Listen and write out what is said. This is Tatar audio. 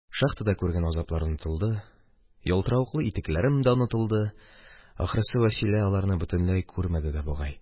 Шахтада күргән азаплар онытылды, ялтыравыклы итекләрем дә онытылды, ахрысы, Вәсилә аларны бөтенләй күрмәде дә бугай.